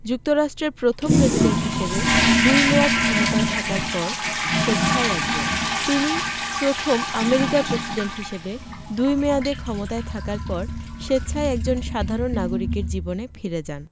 যুক্তরাষ্ট্রের প্রথম প্রেসিডেন্ট হিসেবে দুই মেয়াদ ক্ষমতায় থাকার পর স্বেচ্ছায় একজন তিনি প্রথম আমেরিকার প্রেসিডেন্ট হিসেবে দুই মেয়াদে ক্ষমতায় থাকার পর স্বেচ্ছায় একজন সাধারণ নাগরিকের জীবনে ফিরে যান